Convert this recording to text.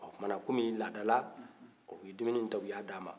ɔ o tuma na komi laada la u ye dumini in ta u y'a d'a ma